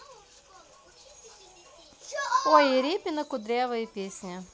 ой репина кудрявая песня